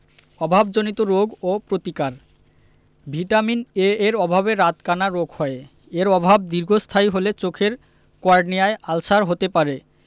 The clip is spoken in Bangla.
অভাবজনিত রোগ ও প্রতিকার ভিটামিন এএর অভাবে রাতকানা রোগ হয় এর অভাব দীর্ঘস্থায়ী হলে চোখের কর্নিয়ায় আলসার হতে পারে